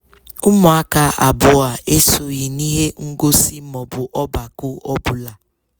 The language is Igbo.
“Ụmụaka abụọ a esoghị n'ihe ngosi maọbụ ọgbakọ ọbụla.